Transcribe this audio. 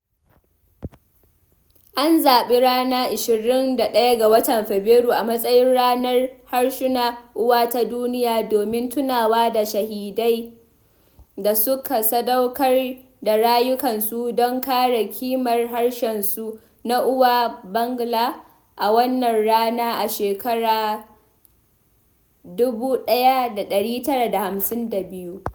An zaɓi ranar 21 ga Fabrairu a matsayin Ranar Harshen Uwa ta Duniya domin tunawa da shahidan da suka sadaukar da rayukansu don kare ƙimar harshensu na uwa Bangla, a wannan rana a shekarar 1952.